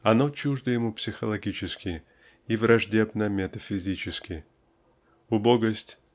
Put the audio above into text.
оно чуждо ему психологически и враждебно метафизически. Убогость